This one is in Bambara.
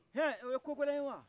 hɛɛ o ye ko gɛlɛn ye wa